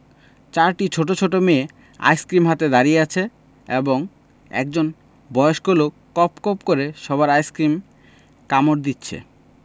চরিটি ছোট ছোট মেয়ে আইসক্রিম হাতে দাড়িয়ে আছে এবং একজন বয়স্ক লোক কপ কপ করে সবার আইসক্রিমে কামড় দিচ্ছে